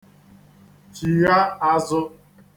chìgha azụ̄